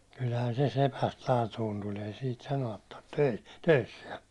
kyllähän se sepästä laatuun tuli ei siitä sanoa tarvitse - töissään